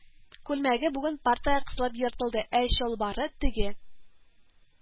Күлмәге бүген партага кысылып ертылды, ә чалбары теге